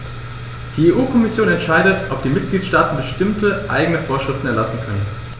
Die EU-Kommission entscheidet, ob die Mitgliedstaaten bestimmte eigene Vorschriften erlassen können.